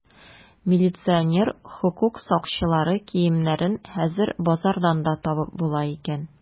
Милиционер, хокук сакчылары киемнәрен хәзер базардан да табып була икән.